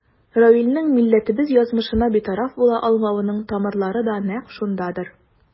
Равилнең милләтебез язмышына битараф була алмавының тамырлары да нәкъ шундадыр.